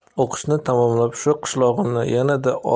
o'qishni tamomlab shu qishlog'imni yanada